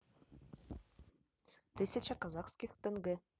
тысяча казахских тенге